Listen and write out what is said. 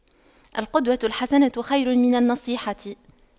القدوة الحسنة خير من النصيحة